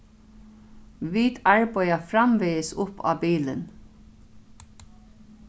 vit arbeiða framvegis upp á bilin